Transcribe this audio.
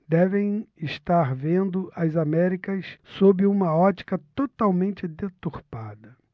devem estar vendo as américas sob uma ótica totalmente deturpada